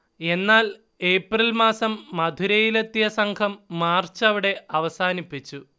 എന്നാൽ, ഏപ്രിൽ മാസം മധുരയിലത്തെിയ സംഘം മാർച്ച് അവിടെ അവസാനിപ്പിച്ചു